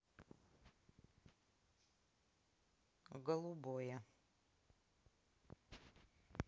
голубое